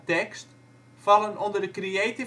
53° 14 ' NB, 6°